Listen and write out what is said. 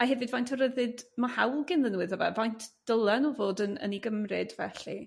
A hefyd faint o ryddid ma' hawl genddyn nhw iddo fe faint dyla' nhw fod yn yn 'u gymryd felly?